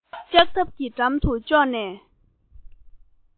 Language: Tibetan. ལྕགས ཐབ གྱི འགྲམ དུ ཙོག ནས